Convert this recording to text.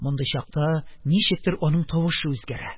Мондый чакта, ничектер, аның тавышы үзгәрә,